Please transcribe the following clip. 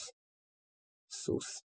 Նա սոսկալի ոխ ունի իմ դեմ։ Ցույց տուր ինձ։